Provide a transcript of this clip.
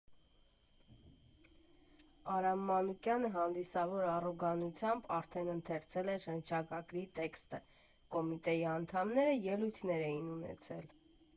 Արամ Մանուկյանը հանդիսավոր առոգանությամբ արդեն ընթերցել էր հռչակագրի տեքստը, Կոմիտեի անդամները ելույթներ էին ունեցել։